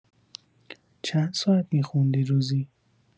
چند ساعت می‌خوندی روزی؟